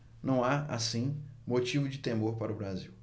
não há assim motivo de temor para o brasil